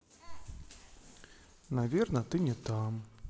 наверно ты не там